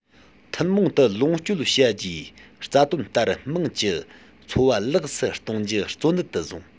ཐུན མོང དུ ལོངས སྤྱོད བྱ རྒྱུའི རྩ དོན ལྟར དམངས ཀྱི འཚོ བ ལེགས སུ གཏོང རྒྱུ གཙོ གནད དུ བཟུང